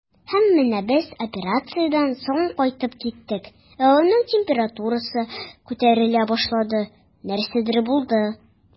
Һәм менә без операциядән соң кайтып киттек, ә аның температурасы күтәрелә башлады, нәрсәдер булды.